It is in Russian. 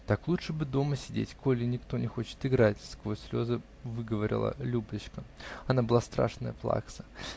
-- Так лучше бы дома сидеть, коли никто не хочет играть, -- сквозь слезы выговорила Любочка. Она была страшная плакса.